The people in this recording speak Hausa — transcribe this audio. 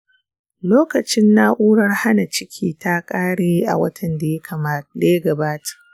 lokacin na’urar hana ciki ta ƙare a watan da ya gabata.